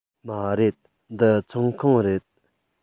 མ རེད འདི ཚོང ཁང རེད